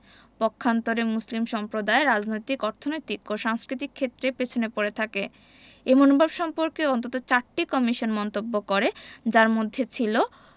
পক্ষান্তরে মুসলিম সম্প্রদায় রাজনৈতিক অর্থনৈতিক ও সাংস্কৃতিক ক্ষেত্রে পেছনে পড়ে থাকে এ মনোভাব সম্পর্কে অন্তত চারটি কমিশন মন্তব্য করে যার মধ্যে ছিল